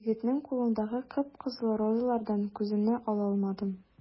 Егетнең кулындагы кып-кызыл розалардан күземне ала алмадым.